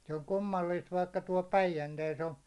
se on kummallista vaikka tuolla Päijänteessä on